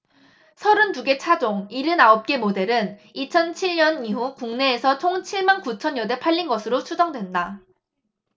서른 두 개 차종 일흔 아홉 개 모델은 이천 칠 년 이후 국내에서 총 칠 만 구천 여대 팔린 것으로 추정된다